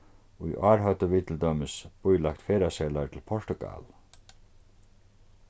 í ár høvdu vit til dømis bílagt ferðaseðlar til portugal